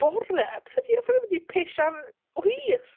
Bore? Bloody hell rhaid bod ti'n pisian o hyd!